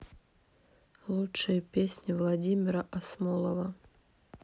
лучшие песни владимира асмолова